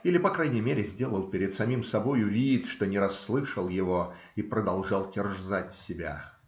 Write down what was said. или по крайней мере сделал перед самим собою вид, что не расслышал его, и продолжал терзать себя.